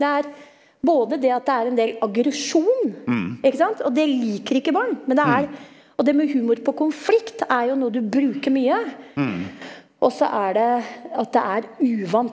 det er både det at det er en del aggresjon ikke sant, og det liker ikke barn, men det er og det med humor på konflikt er jo noe du bruker mye, også er det at det er uvant.